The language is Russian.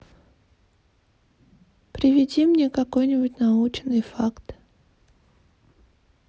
приведи мне какой нибудь научный факт